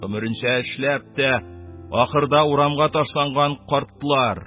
Гомеренчә эшләп тә, ахырда урамга ташланган картлар,